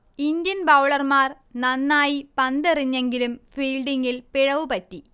Indian ബൗളർമാർ നന്നായി പന്തെറിഞ്ഞെങ്കിലും ഫീൽഡിങ്ങിൽ പിഴവു പറ്റി